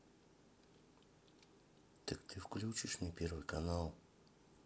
так ты включишь мне первый канал